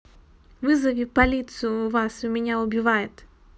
вызови полицию у вас меня убивает